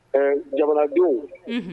Ɛɛ jamanadenw Unhun